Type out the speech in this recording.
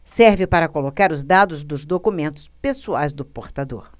serve para colocar os dados dos documentos pessoais do portador